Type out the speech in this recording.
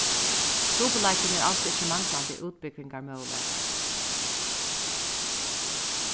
trupulleikin er als ikki manglandi útbúgvingarmøguleikar